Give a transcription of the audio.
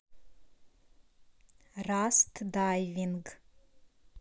rust дайвинг